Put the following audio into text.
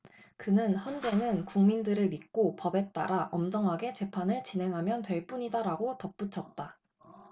그는 헌재는 국민들을 믿고 법에 따라 엄정하게 재판을 진행하면 될 뿐이다라고 덧붙였다